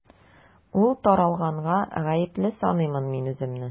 Ул таралганга гаепле саныймын мин үземне.